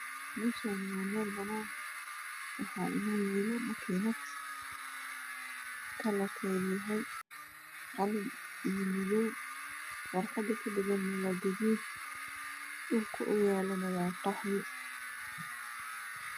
Meeshaani waa meel banaan waxa inoo yaalo makiinad kalarkeedu yahay qalin iyo madow warqada ku dhagana waa gaduud shulka uu yalana waa qaxwi